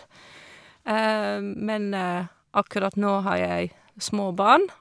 Men akkurat nå har jeg små barn.